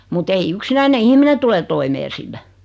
mutta ei yksinäinen ihminen tule toimeen sillä